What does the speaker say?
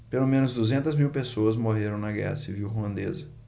pelo menos duzentas mil pessoas morreram na guerra civil ruandesa